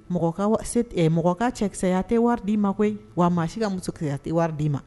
Mɔgɔ ka wa set ɛ mɔgɔ ka cɛkisɛya tɛ wari d'i ma koyi wa muso si ka musokisɛya tɛ wari d'i ma